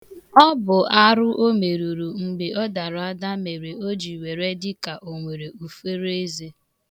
Ọ bụ arụ o meruru mgbe ọ dara ada mere o ji were dị ka o nwere uforoeze